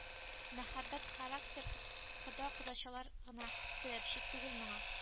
Мәхәббәт характер кода-кодачалар гына сәбәпче түгел моңа